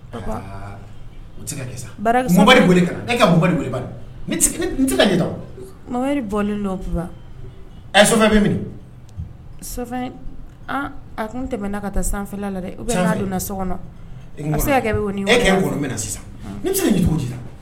E ka tɛ ka ɲɛ mamari bɔlen ɛ so bɛ minɛ a n tɛm n' ka taa san la dɛ donna so kɔnɔ bɛ e sisan tɛ cogo